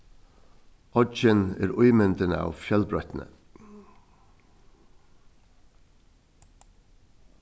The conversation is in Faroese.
oyggin er ímyndin av fjølbroytni